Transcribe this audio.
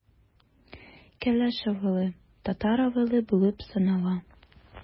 Келәш авылы – татар авылы булып санала.